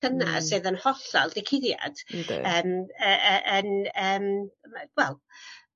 Dyna sydd yn hollol 'di cuddiad. Yndi. Yym y- y- yn yym m- wel